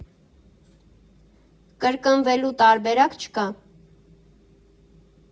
Կրկնվելու տարբերակ չկա։